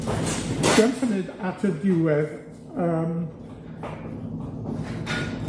Dwi am symud at y diwedd, yym.